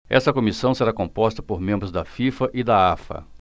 essa comissão será composta por membros da fifa e da afa